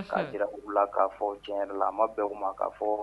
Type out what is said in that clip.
Jira u la k'a fɔ diɲɛ la a ma bɛɛ ma kaa fɔ